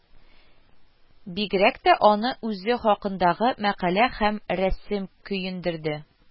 Бигрәк тә аны үзе хакындагы мәкалә һәм рәсем көендерде